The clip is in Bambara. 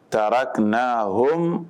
Taarak na na hɔm